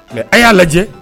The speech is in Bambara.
Mɛ a y'a lajɛ